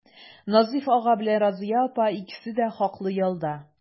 Назыйф ага белән Разыя апа икесе дә хаклы ялда.